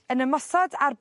yn ymosod ar